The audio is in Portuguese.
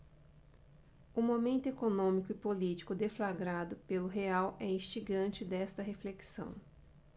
o momento econômico e político deflagrado pelo real é instigante desta reflexão